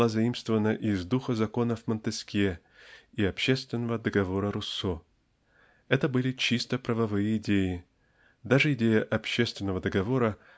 была заимствована из "Духа законов" Монтескье и "Общественного договора" Руссо. Это были чисто правовые идеи даже идея общественного договора